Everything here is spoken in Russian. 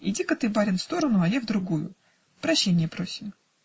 Иди-ка ты, барин, в сторону, а я в другую. Прощения просим.